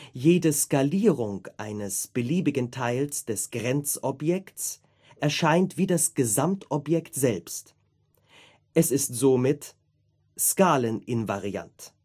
Jede Skalierung eines beliebigen Teils des Grenzobjekts erscheint wie das Gesamtobjekt selbst. Es ist somit skaleninvariant